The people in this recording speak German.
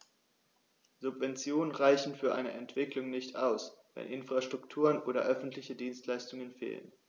Subventionen reichen für eine Entwicklung nicht aus, wenn Infrastrukturen oder öffentliche Dienstleistungen fehlen.